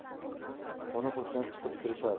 qo'ni qo'shnilar chiqib turishadi